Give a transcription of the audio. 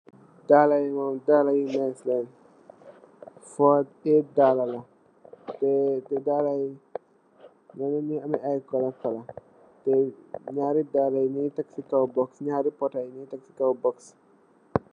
Daala yu naayis la, foo edd daalë la, téé dala yi, dañg Dee am ay kolo, kolo. Ñaari daalë yi ñu ngi Tek si kow box.